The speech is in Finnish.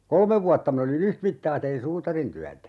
kolme vuotta minä olin yhtä mittaa tein suutarintyötä